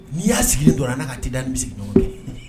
N'i y'a sigilen dɔrɔn a ala ka taa da sigi ɲɔgɔn